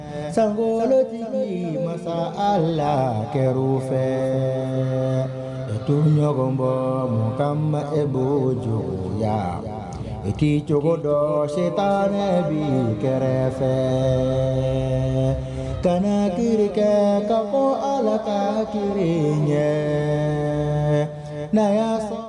Sankolodi in ma a la kɛ fɛto ɲɔgɔn bɔ mɔgɔba bɔ jɔyɔrɔ la iki j dɔ se taara min kɛrɛfɛ fɛ kana jerika kɛ ka fɔ a la ka kelen ɲɛ na y'a sɔrɔ